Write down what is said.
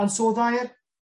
Ansoddair.